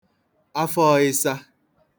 afọọ̄ị̄sā